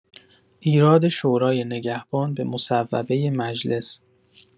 ایراد شورای نگهبان به مصوبه مجلس